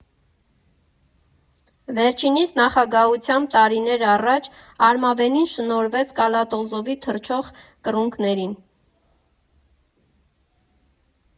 Վերջինիս նախագահությամբ տարիներ առաջ Արմավենին շնորհվեց Կալատոզովի թռչող կռունկներին։